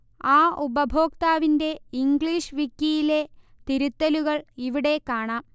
ആ ഉപയോക്താവിന്റെ ഇംഗ്ലീഷ് വിക്കിയിലെ തിരുത്തലുകൾ ഇവിടെ കാണാം